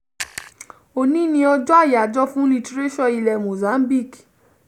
Òní ni ọjọ́ àyájọ́ fún Litiréṣọ̀ ilẹ̀ Mozambique.